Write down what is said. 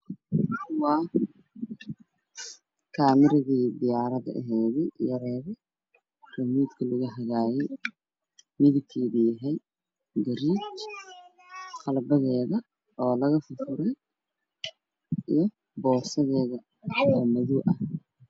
Waxaa ii muuqda daroon midabkeedu yahay madow dhulka ay taalo waa mutuleel cadaan